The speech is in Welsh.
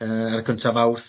Yy ar y cynta Fawrth.